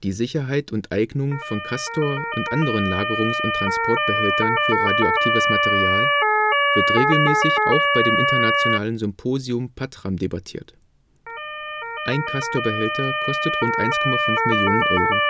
Sicherheit und Eignung von Castor - und anderen Lagerungs - und Transportbehältern für radioaktives Material wird regelmäßig auch bei dem internationalen Symposium PATRAM debattiert. Ein Castor-Behälter kostet rund 1,5 Mio. Euro